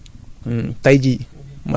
mais da ngay toog ñeenti at doo ko fa defaat